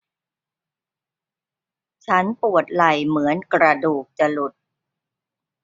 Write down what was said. ฉันปวดไหล่เหมือนกระดูกจะหลุด